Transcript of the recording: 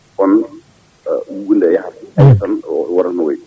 kono juɓɓudi ndi yakani wodat tan wooda no wayi